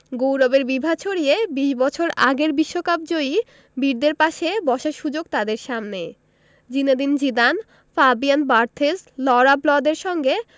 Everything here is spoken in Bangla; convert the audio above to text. গৌরবের বিভা ছড়িয়ে ২০ বছর আগের বিশ্বকাপজয়ী বীরদের পাশে বসার সুযোগ তাদের সামনে জিনেদিন জিদান ফাবিয়ান বার্থেজ লঁরা ব্লদের সঙ্গে